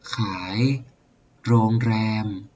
ขายโรงแรม